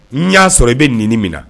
N'i y'a sɔrɔ i bɛ nin minɛ na